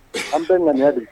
An bɛ ŋ di